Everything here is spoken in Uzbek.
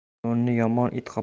to'ni yomonni it qopar